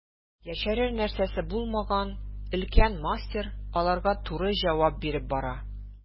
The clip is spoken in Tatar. Яшерер нәрсәсе булмаган өлкән мастер аларга туры җавап биреп бара.